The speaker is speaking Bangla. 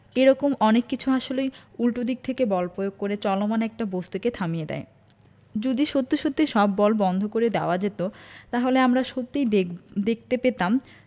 এ রকম অনেক কিছু আসলে উল্টো দিক থেকে বল পয়োগ করে চলমান একটা বস্তুকে থামিয়ে দেয় যদি সত্যি সত্যি সব বল বন্ধ করে দেওয়া যেত তাহলে আমরা সত্যিই দেখতে পেতাম